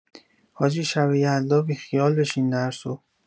حاجی شب یلدا بیخیال بشین درسو